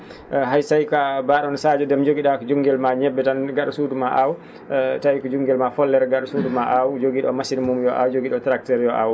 hay so tawii ko a mbaa?o no Sadio Déme njogi?aa ko junngel ma ñebbe tan nga?a suudu ma aaw tawii ko junngel maa follere nga?a suudu ma aaw jogii?o machine mum yo aaw jogii?o tracteur yo aaw